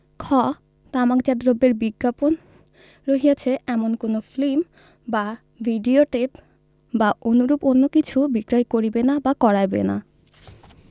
খ তামাকজাত দ্রব্যের বিজ্ঞাপন রহিয়অছে এমন কোন ফিল্ম বা ভিড়িও টিপ বা অনুরূপ অন্য কিছু বিক্রয় করিবে না বা করাইবে না